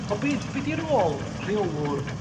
O be' be' 'di rôl rheolwr